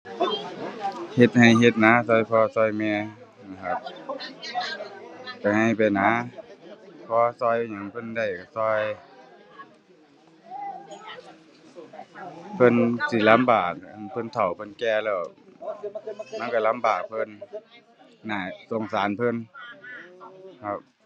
เฮ็ดไร่เฮ็ดนาไร่พ่อไร่แม่นะครับ ไปไร่ไปนา เพราะว่าไร่หยังเพิ่นได้ไร่ไร่ เพิ่นสิลำบาก อั่น เพิ่นเฒ่าเพิ่นแก่แล้ว มันไร่ลำบากเพิ่น น่าสงสารเพิ่นครับ